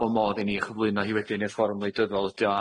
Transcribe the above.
bo modd i ni chyflwyno hi wedyn i'r fforwm wleidyddol ydi o